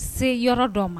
Se yɔrɔ dɔ ma